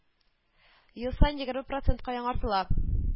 Ел саен егерме процентка яңартыла